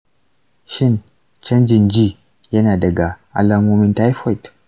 shin canjin ji yana daga alamomin taifoid?